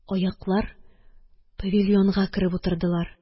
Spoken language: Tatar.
Аяклар павильонга кереп утырдылар